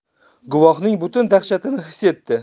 gunohning butun dahshatini his etdi